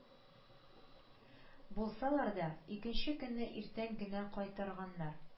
Булсалар да, икенче көнне иртән генә кайтарганнар